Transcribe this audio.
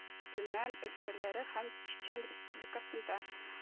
Төмән өлкәләре һәм Чечен Республикасында